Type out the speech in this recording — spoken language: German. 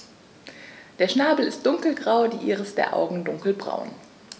Der Schnabel ist dunkelgrau, die Iris der Augen dunkelbraun.